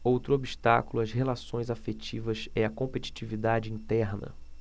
outro obstáculo às relações afetivas é a competitividade interna